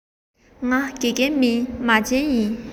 ང དགེ རྒན མིན མ བྱན ཡིན